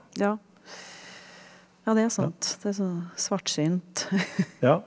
ja ja det er sant, det er så svartsynt .